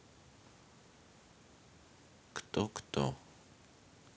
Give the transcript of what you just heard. кто кто